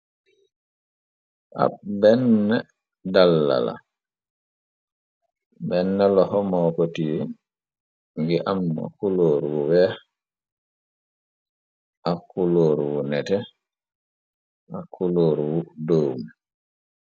Ab benn dalla la benn loxa mo ko ti ngi amna kulóor wu weex ak kulóor wu nete ak kulóor wu doomi.